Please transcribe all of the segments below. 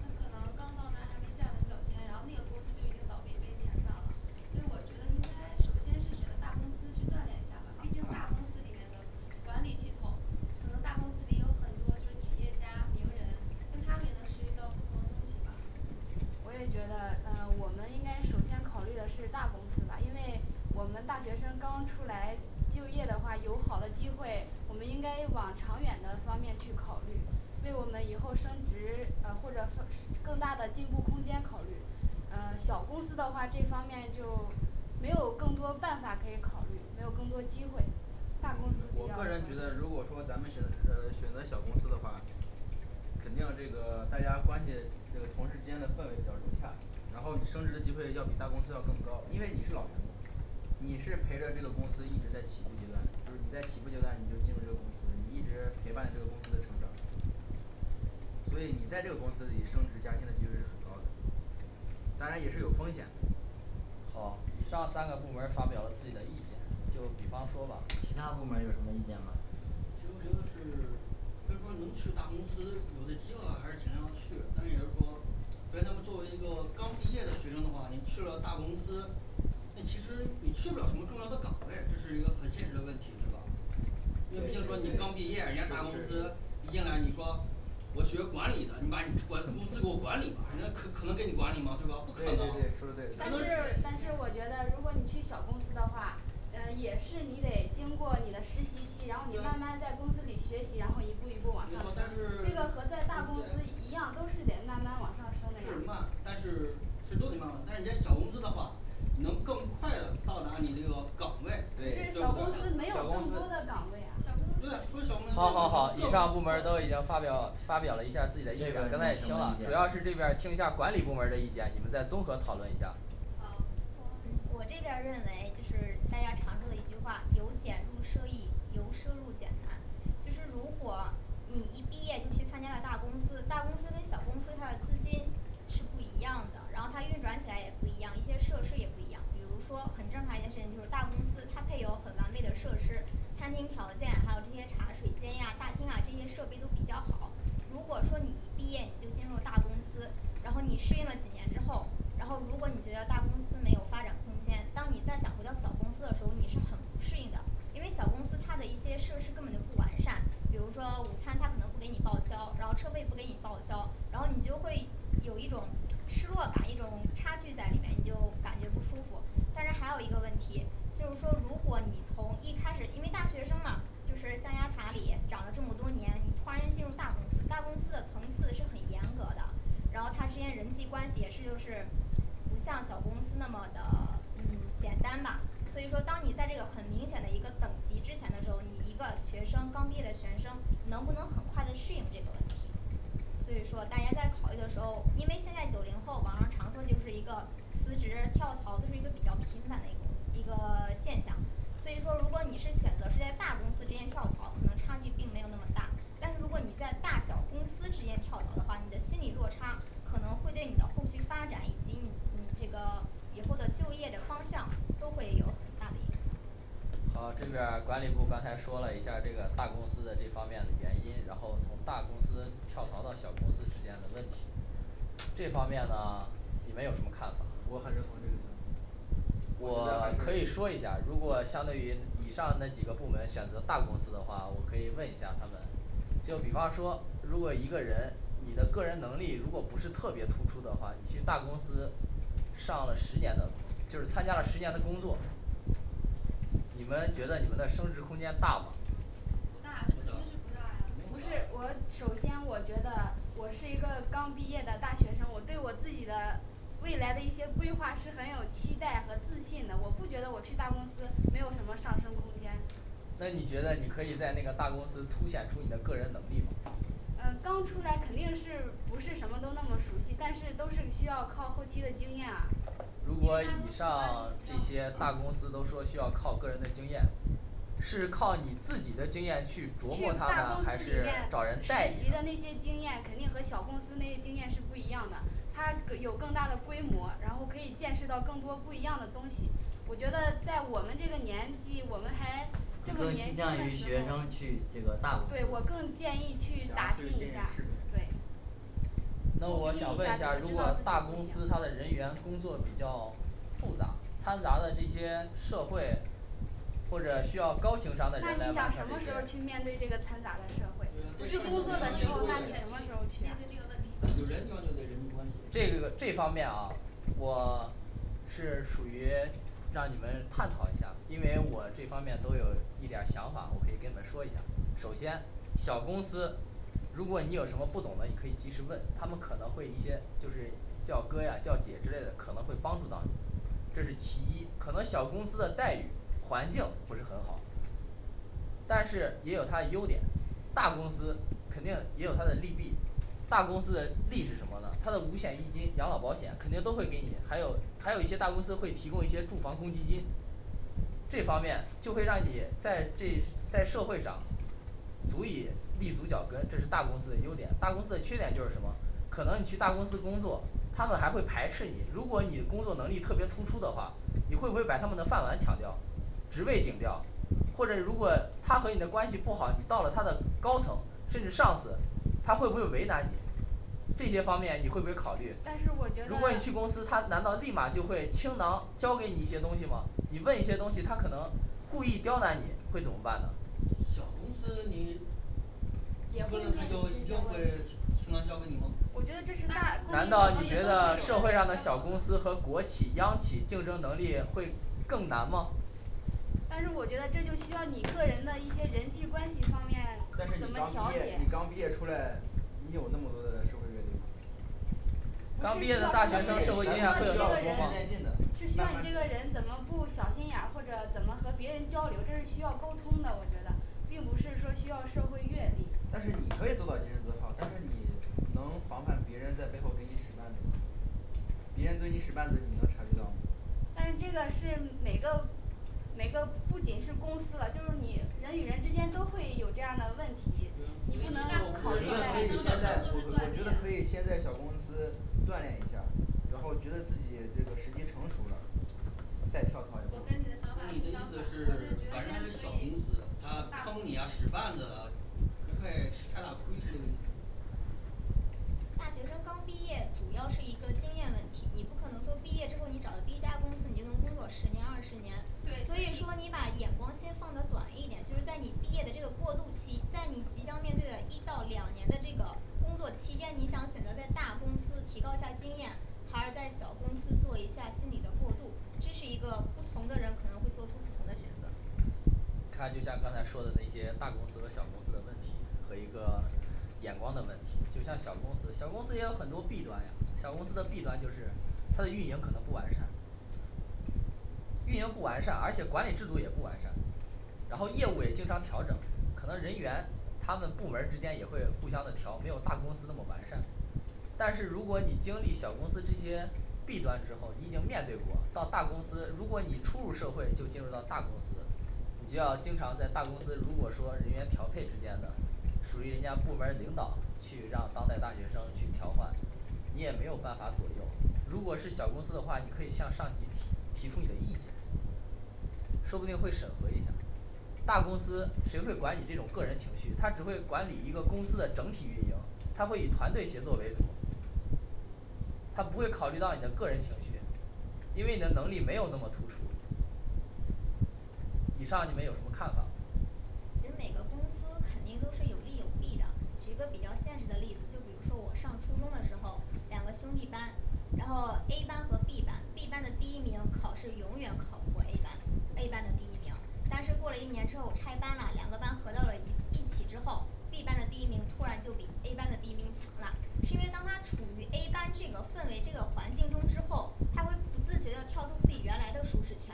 他可能刚到来还没站稳脚尖，然后那个公司就已经倒闭被遣散了因为我觉得应该首先是选大公司去锻炼一下吧，毕竟大公司里面的管理系统，可能大公司里有很多就是企业家名人，跟他们也能学习到不同的东西嘛。我也觉得嗯我们应该首先考虑的是大公司吧，因为我们大学生刚出来就业的话有好的机会，我们应该往长远的方面去考虑。为我们以后升职呃或者分 是 更大的进步空间考虑，呃小公司的话这方面就没有更多办法可以考虑，没有更多机会。大公司比较合适肯定这个大家关系就同事之间的氛围比较融洽，然后你升职的机会要比大公司要更高，因为你是老员工你是陪着这个公司一直在起步阶段，就是你在起步阶段你就进入这个公司，你一直陪伴这个公司的成长。所以你在这个公司里升职加薪的机率是很高的，当然也是有风险的。好，以上三个部门儿发表了自己的意见，就比方说吧其他部门儿有什么意见吗？对你就说对你对刚毕业是人家大公是是司，一进来，你说我学管理的，你把你管公司给我管理吧，人家可可能给你管理吗？对吧，不可对对能对说得对很但多是人但是我觉得如果你去小公司的话。嗯也是你得经过你的实习期然后你慢慢对在公司里学习，然后一步一你步往说上升但，是这个和在大公司一样都是得慢慢往上升的呀对小公司对呀小公司除了小公好好司好，以上部门儿都已经发表发表了一下儿自己的意见，刚才也听了主要是这边儿听一下儿管理部门儿的意见，你们再综合讨论一下。好嗯我这边儿认为就是大家常说的一句话，由简入奢易由奢入俭难，就是如果你一毕业就去参加了大公司大公司跟小公司，它的资金是不一样的，然后它运转起来也不一样，一些设施也不一样，比如说很正常一件事情就是大公司它配有很完备的设施，餐厅条件，还有这些茶水间啊大厅啊这些设备都比较好如果说你一毕业你就进入大公司，然后你适应了几年之后，然后如果你觉得大公司没有发展空间，当你再想回到小公司的时候，你是很不适应的因为小公司它的一些设施根本就不完善，比如说午餐它可能不给你报销，然后车费不给你报销，然后你就会有一种失落感，一种差距在里面，你就感觉不舒服。但是还有一个问题就是说，如果你从一开始，因为大学生嘛就是象牙塔里长了这么多年，你哐下儿进入大公司大公司的层次是很严格的然后他之间人际关系也是就是不像小公司那么的嗯简单吧，所以说当你在很明显的一个等级之前的时候，你一个学生刚毕业的学生能不能很快的适应这个问题所以说大家在考虑的时候，因为现在九零后网上常说就是一个辞职跳槽都是一个比较频繁的一个一个现象所以说如果你是选择是在大公司之间跳槽，可能差距并没有那么大，但是如果你在大小公司之间跳槽的话，你的心理落差可能会对你的后续发展以及你这个以后的就业的方向都会有很大的影响。好，这边管理部刚才说了一下儿这个大公司的这方面的原因，然后从大公司跳槽到小公司之间的问题这方面呢你们有什么看法？我很认同这个想法，我觉得我可还是以说一下，如果相对于以上那几个部门选择大公司的话，我可以问一下她们就比方说如果一个人你的个人能力如果不是特别突出的话，你去大公司上了十年的就是参加了十年的工作你们觉得你们的升值空间大吗那你觉得你可以在那个大公司凸显出你的个人能力吗？呃刚出来肯定是不是什么都那么熟悉，但是都是需要靠后期的经验啊。如果以上这些大公司都说需要靠个人的经验是靠你自己的经验去去大公司里面实琢磨它呢的还是找人带习的你那些经验，肯定和小公司那些经验是不一样的，他可 有更大的规模，然后可以见识到更多不一样的东西我觉得在我们这个年纪我们还你这么更倾年轻向于的时学候生去这个大公对司我更建议去主打要出拼去见一见下世面对去拼一下就知道自己行那我想问一下，如果大公司它不行的人员工作比较复杂，掺杂了这些社会那你想什么时候儿去面对这个掺杂的社会，不是工作的时候那你什么时候去啊面对这个问题吧这这方面啊我是属于让你们探讨一下，因为我这方面都有一点儿想法，我可以跟你们说一下。 首先小公司如果你有什么不懂的，你可以及时问，他们可能会一些就是叫哥啊叫姐之类的，可能会帮助到你。这是其一，可能小公司的待遇环境不是很好但是也有它的优点，大公司肯定也有它的利弊，大公司的利益是什么呢？它的五险一金，养老保险肯定都会给你，还有还有一些大公司会提供一些住房公积金这方面就会让你在这在社会上足以立足脚跟，这是大公司的优点，大公司的缺点就是什么？ 可能你去大公司工作，他们还会排斥你，如果你工作能力特别突出的话，你会不会把他们的饭碗抢掉职位顶掉，或者如果他和你的关系不好，你到了他的高层甚至上司，他会不会为难你？这些方面你会不会考虑？但是我觉得如果你去公司，他难道立马就会倾囊教给你一些东西吗？你问一些东西他可能故意刁难你会怎么办呢难道你觉得社会上的小公司和国企央企竞争能力会更难吗？但是我觉得这就需要你个人的一些人际关系方面但是怎你么刚调毕业解你刚毕业出来你有那么多的社会阅历吗不是需要社会阅历是需要你这个人是需要你这刚毕业的大学生还是要循序渐进的，个人怎么不小心眼儿，或者怎么和别人交流这是需要沟通的，我觉得并不是说需要社会阅历但是你可以做到洁身自好，但是你能防范别人在背后给你使绊子吗别人对你使绊子你能察觉到吗？但是这个是每个每个不仅是公司了，就是你人与人之间都会有这样的问题，你不能考虑到你的意思是反正是小公司他坑你啊，使绊子啊不会吃太大亏是这个意思吗大学生刚毕业主要是一个经验问题，你不可能说毕业之后你找的第一家公司，你能工作十年二十年，所对以说你把眼光先放的短一点，就是在你毕业的这个过渡期，在你即将面对的一到两年的这个工作期间，你想选择在大公司提高一下儿经验，还是在小公司做一下心理的过渡，这是一个不同的人可能会做出不同的选择。他就像刚才说的那些大公司和小公司的问题和一个眼光的问题，就像小公司小公司也有很多弊端，小公司的弊端就是它的运营可能不完善运营不完善，而且管理制度也不完善，然后业务也经常调整，可能人员他们部门儿之间也会互相的调，没有大公司那么完善。但是如果你经历小公司这些弊端之后，你已经面对过到大公司，如果你初入社会就进入到大公司你就要经常在大公司，如果说人员调配之间的属于人家部门儿领导去让当代大学生去调换，你也没有办法左右，如果是小公司的话，你可以向上级提提出你的意见说不定会审核一下大公司谁会管你这种个人情绪，它只会管理一个公司的整体运营，它会以团队协作为主他不会考虑到你的个人情绪，因为你的能力没有那么突出以上你们有什么看法？其实每个公司肯定都是有利有弊的。举一个比较现实的例子，就比如说我上初中的时候，两个兄弟班，然后A班和B班B班的第一名考试永远考不过A班A班的第一名但是过了一年之后拆班啦两个班合到了一一起之后，B班的第一名突然就比A班的第一名强了。是因为当他处于A班这个氛围这个环境中之后，他会不自觉地跳出自己原来的舒适圈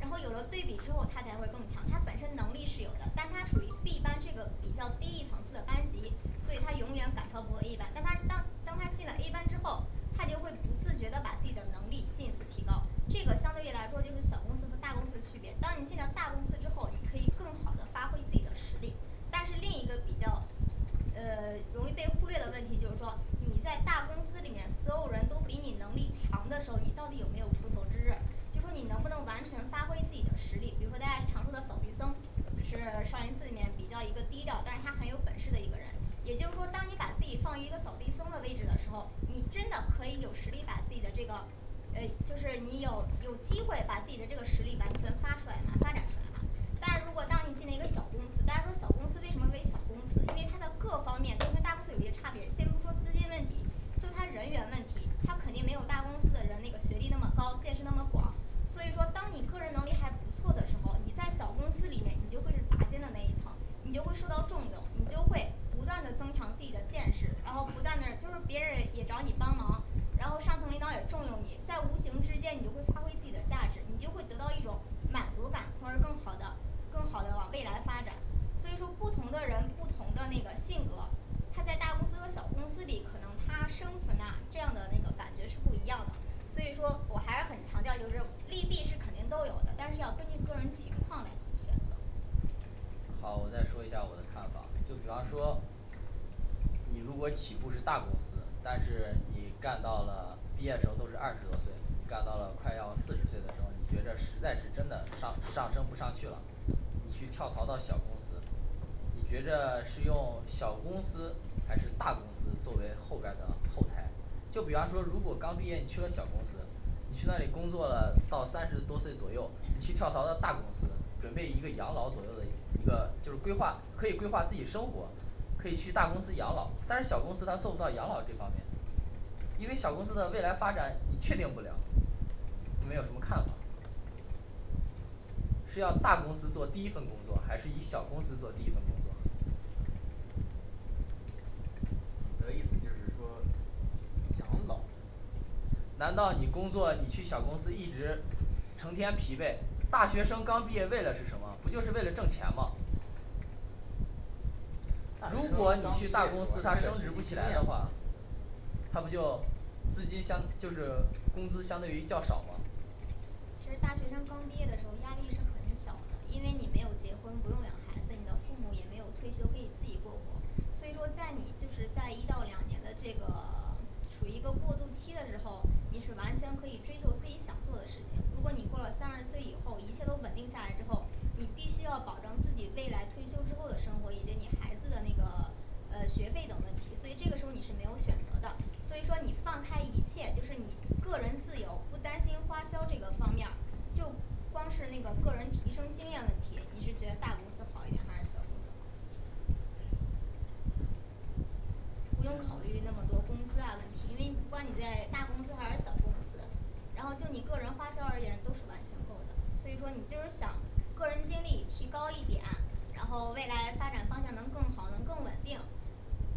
然后有了对比之后他才会更强，他本身能力是有的，但他处于B班这个比较低一层次的班级，所以他永远感受不到A班，但他当他进了A班之后，他就会不自觉的把自己的能力进一步提高这个相对于来说就是小公司和大公司的区别，当你进到大公司之后，你可以更好的发挥自己的实力，但是另一个比较呃就是你有有机会把自己的这个实力完全发出来了发展出来了，但是如果当你进了一个小公司，大家说小公司为什么为小公司因为它的各方面都跟大公司有些差别，先不说资金问题就他人缘问题，他肯定没有大公司的人的那个学历那么高，见识那么广，所以说当你个人能力还不错的时候，你在小公司里面你就会是拔尖的那一层你就会受到重用你就会不断的增强自己的见识，然后不断的就是别人也找你帮忙，然后上层领导也重用你，在无形之间你会发挥自己的价值，你就会得到一种满足感，从而更好的更好的往未来发展。 所以说不同的人不同的那个性格，他在大公司和小公司里可能他生存呢这样的那个感觉是不一样的好，我再说一下我的看法，就比方说你如果起步是大公司，但是你干到了毕业的时候都是二十多岁，干到了快要四十岁的时候，你觉得实在是真的上上升不上去了，你去跳槽到小公司你觉得是用小公司还是大公司作为后边的后台？就比方说如果刚毕业你去了小公司你去那里工作了，到三十多岁左右，你去跳槽了到大公司，准备一个养老左右的一个就是规划，可以规划自己生活，可以去大公司养老，但是小公司他做不到养老这方面。因为小公司的未来发展你确定不了，你们有什么看法？是要大公司做第一份工作，还是以小公司做第一份工作你的意思就是说养老难道你工作你去小公司一直成天疲惫，大学生刚毕业为了是什么？不就是为了挣钱嘛大学如生刚毕业果你去大公不司它升值是不没起经来的验话嘛，他不就资金相就是工资相对于较少嘛其实大学生刚毕业的时候压力是很小的，因为你没有结婚不用养孩子，你的父母也没有退休可以自己过活。所以说你在一到两年的这个 处于一个过渡期的时候，你是完全可以追求自己想做的事情，如果你过了三十岁以后一切都稳定下来之后，你必须要保证自己未来退休之后的生活以及你孩子的那个呃学费等问题所以这个时候你是没有选择的，所以说你放开一切就是你个人自由不担心花销这个方面儿就光是这个个人提升经验问题，你是觉得大公司好一点儿还是小公司好不用考虑那么多工资啊问题，因为不管你在大公司还是小公司，然后就你个人花销而言都是完全够的，所以说你就是想个人经历提高一点然后未来发展方向能更好，能更稳定，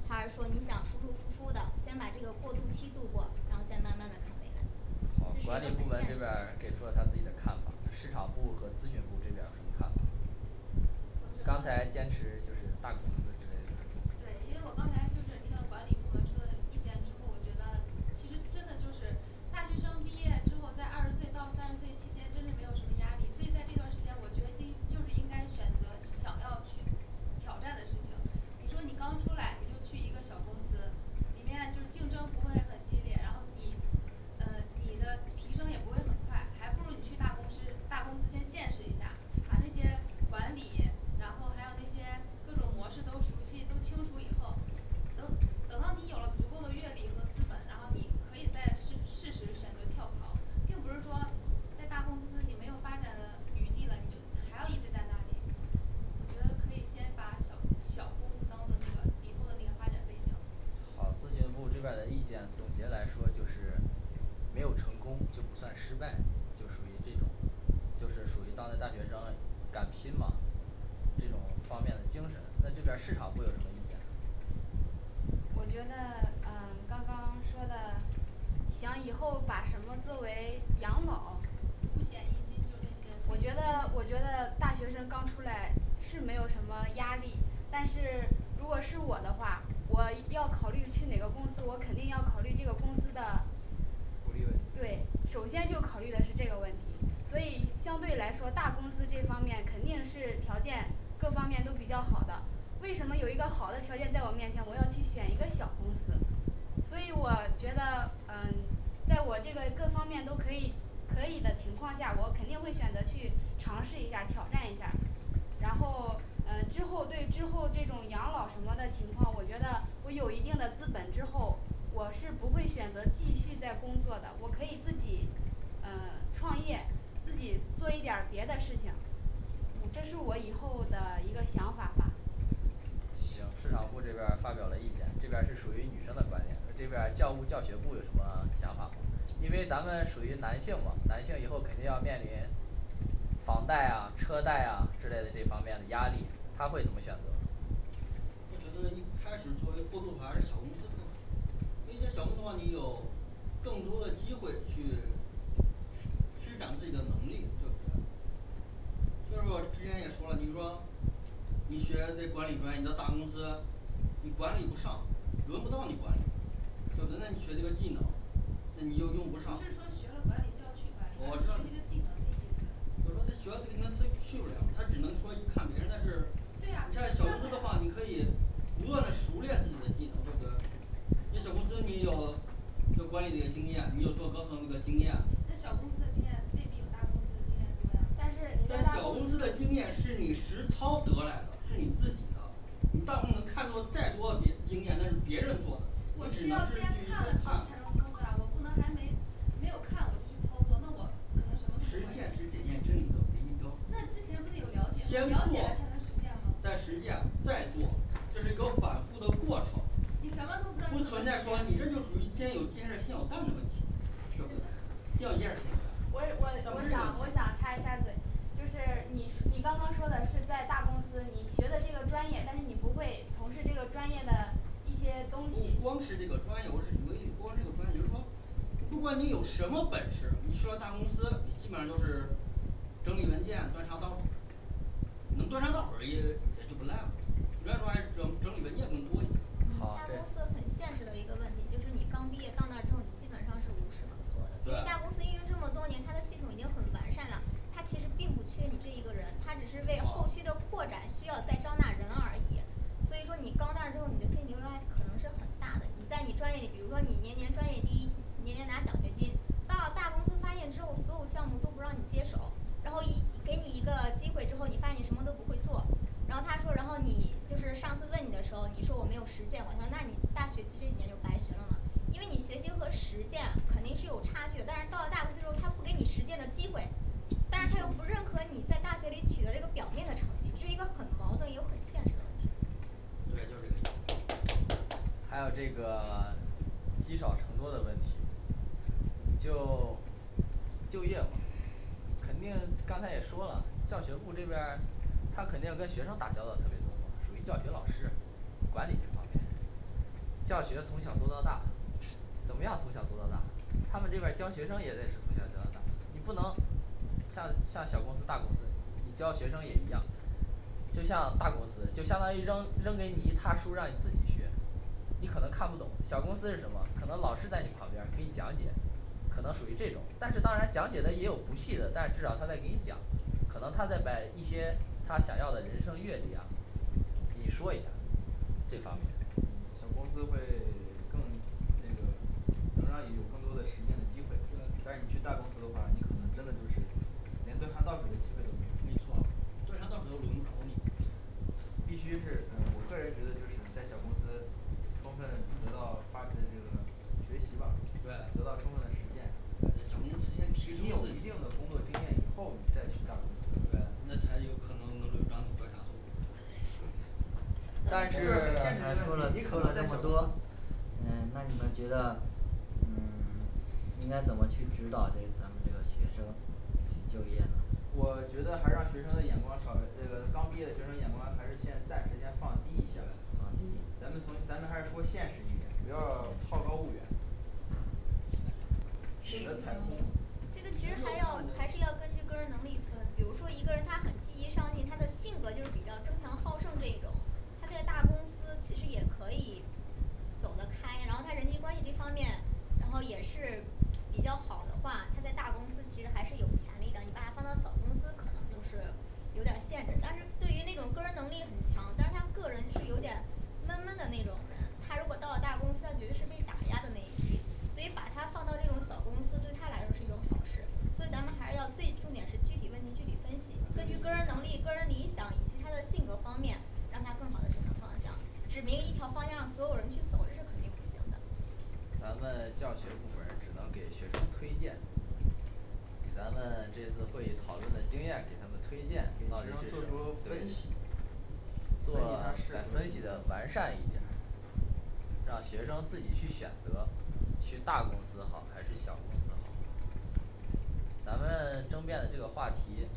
还是说你想舒舒服服的先把这个过渡期渡过，然后再慢慢的考虑未来，这是一个很现实的事刚我才觉得坚持就是大公司之类的。你说你刚出来你就去一个小公司里面就竞争不会很激烈，然后你嗯你的提升也不会很快，还不如你去大公司大公司先见识一下，把这些管理，然后还有那些各种模式都熟悉都清楚以后等 等到你有了足够的阅历和资本，然后你可以在去试试选择跳槽并不是说在大公司你没有发展的余地了，你就还要一直在那里。我觉得可以先把小小公司当做那个以后的那个发展背景。好，咨询部这边的意见总结来说就是，没有成功就不算失败，就属于这种就是属于当代大学生敢拼嘛，这种方面的精神那这边市场部有什么意见我觉得嗯刚刚说的想以后把什么作为养老，五险一金就那些我觉得我觉得大学生刚出来是没有什么压力，但是如果是我的话，我要考虑去哪个公司，我肯定要考虑这个公司的福利问对题，首先就考虑的是这个问题，所以相对来说大公司这方面肯定是条件各方面都比较好的，为什么有一个好的条件在我面前，我要去选一个小公司所以我觉得嗯在我这个各方面都可以可以的情况下，我肯定会选择去尝试一下儿挑战一下儿然后嗯之后对之后这种养老什么的情况，我觉得我有一定的资本之后，我是不会选择继续在工作的，我可以自己嗯创业，自己做一点儿别的事情，这是我以后的一个想法吧。房贷啊车贷啊之类的这方面的压力，他会怎么选择我知道对啊看看呀这种公司你有做管理的经验，你有做高层的经验，在小公司的经验未必有大公司的经验多啊但是你就在像大小公公司司的经验是你实操得来的是你自己的实践是检验真理的唯一标准先做在实践再做这是个反复的过程你什么都不知道你不怎么实存在说践你这就属于先有鸡还是先有蛋的问题对不对要一样我我就我行想了我想插一下嘴就是你你刚刚说的是在大公司你学的这个专业，但是你不会从事这个专业的一些东西不，光是这个专业，我是举个例子不光是专业，比如说不管你有什么本事，你去了大公司你基本上就是整理文件端茶倒水能端茶倒水儿也也就不来赖了你别说还整 整理文件更多一些嗯大好公司这很现实的一个问题，就是你刚毕业到那之后，你基本上是无事可做的，因为大公对司运营这么多年，它的系统已经很完善了，他其实并不缺你这一个人，他只是为后续的扩展需要在招纳人而已。所以说你刚那儿之后你的心落差可能是很大的，在你专业里比如说你年年专业第一年年拿奖学金，到大公司发现之后，所有项目都不让你接手，然后一给你一个机会之后，你发现什么都不会做然后他说然后你就是上司问你的时候，你说我没有实践，我说那你大学其实已经就白学了嘛，因为你学习和实践肯定是有差距的，但是到了大公司之后他不给你实践的机会但是他又不认可你在大学里取得这个表面的成绩，是一个很矛盾又很现实的问题对，就是这个意思还有这个积少成多的问题教学从小做到大，怎么样从小做到大？他们这边教学生也得是从小教大，你不能像小公司大公司你教学生也一样，就像大公司就相当于扔扔给你一塌书，让你自己学你可能看不懂小公司是什么，可能老师在你旁边儿给你讲解，可能属于这种，但是当然讲解的也有不细的，但是至少他在跟你讲，可能他在把一些他想要的人生阅历呀，给你说一下儿这方面对没错端茶倒水都轮不着你必须是嗯我个人觉得就是在小公司充分得到了发展的这个学习吧，对得到充分的实践你有一定的工作经验以后，你再去大公司对，那才有可能能轮着你端茶送水你这们但说是是个很现实嘞东西了你说可了能这在么小公多司嗯那你们觉得嗯应该怎么去指导这个咱们这个学生去就业呢放低这个其实还要还是要根据个人能力分，比如说一个人他很积极上进，他的性格就是比较争强好胜这一种。他在大公司其实也可以走得开，然后他人际关系这方面，然后也是比较好的话，他在大公司其实还是有潜力的，你把他放到小公司可能就是有点限制，但是对于那种个人能力很强，但是他个人就是有点闷闷的那种，他如果到了大公司，他绝对是被打压的那一批，所以把他放到这种小公司对他来说是一种好事所以咱们还是要最重点是具体问题具体分析，根据个人能力个人理想以及他的性格方面，让他更好的选择方向，指明一条方向，让所有人去走，这是肯定不行的。咱们教学部门儿只能给学生推荐咱们这次会议讨论的经验，给他们推荐给学生做出，对分析分析做他来分析适的合完善一点，让学生自己去选择，去大公司好还是小公司好？咱们争辩的这个话题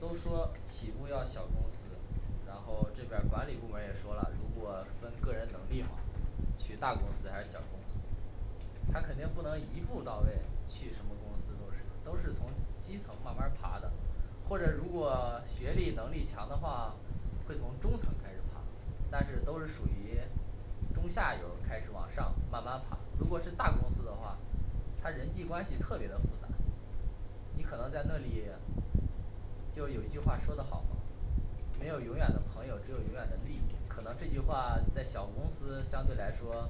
都说起步要小公司，然后这边管理部门也说了，如果分个人能力嘛去大公司还是小公司他肯定不能一步到位，去什么公司都是都是从基层慢慢爬的，或者如果学历能力强的话，会从中层开始爬但是都是属于中下游开始往上慢慢爬，如果是大公司的话，他人际关系特别的复杂你可能在那里就有一句话说的好？ 没有永远的朋友，只有永远的利益，可能这句话在小公司相对来说